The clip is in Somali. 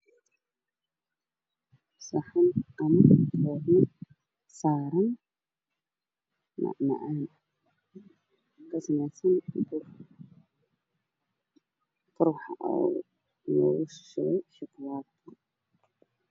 Waa saxan qalin waxaa saaran maxaan ka sameysan buur midigtiisa yahay qaxwi jaalo sacabka wacdaan